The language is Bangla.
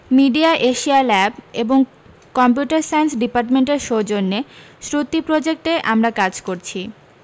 মিডিয়া এশিয়া ল্যাব এবং কম্পিউটার সাইন্স ডিপার্টমেন্টের সৌজন্যে শ্রুতি প্রোজেক্টে আমরা কাজ করছি